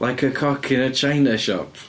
Like a cock in a china shop.